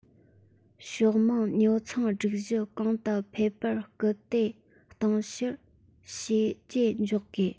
ཕྱོགས མང ཉོ ཚོང སྒྲིག གཞི གོང དུ འཕེལ བར སྐུལ འདེད གཏོང ཕྱིར བྱས རྗེས འཇོག དགོས